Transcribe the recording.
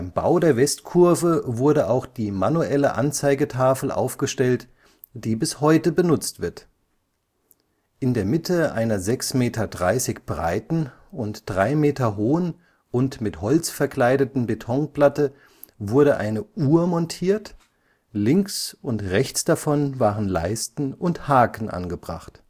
Bau der Westkurve wurde auch die manuelle Anzeigetafel aufgestellt, die bis heute benutzt wird. In der Mitte einer 6,30 Meter breiten und drei Meter hohen und mit Holz verkleideten Betonplatte wurde eine Uhr montiert, links und rechts davon waren Leisten und Haken angebracht